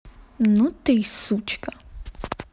ну ты и сучка